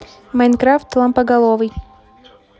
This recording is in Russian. майнкрафт лампоголовый